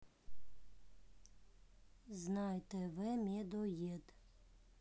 знай тв медоед